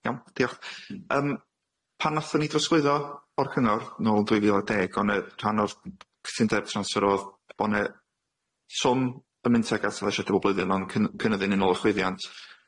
Iawn, diolch. Yym pan nathon ni drosglwyddo o'r cyngor nôl yn dwy fil a deg, o'n 'ne rhan o'r c- cytundeb transfer o'dd bo' 'ne swm yn mynd tuag at addasiade bob blwyddyn, on' cyn- cynnyddu'n unol â chwyddiant,